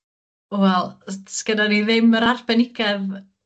Wel s- sgynnon ni ddim yr arbenigedd